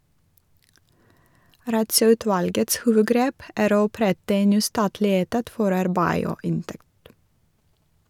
Rattsøutvalgets hovedgrep er å opprette en ny statlig etat for arbeid og inntekt.